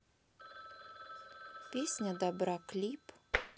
песня дабра клип